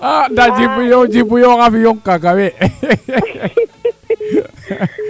a nda Djiby yoo xa fiyong kaaga wee